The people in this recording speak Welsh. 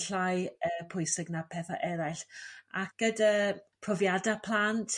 llai yy pwysig na petha' eraill ac gydy profiada' plant